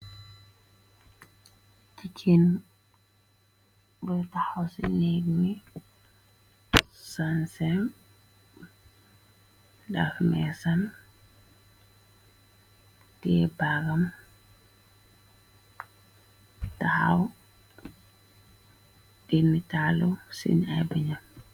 Jigeen buy taxu ci léeg mi sansem daf meesam. Tie baggam taxaw dimi tallu sin ay bine.